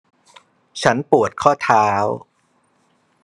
ฉันปวดข้อเท้า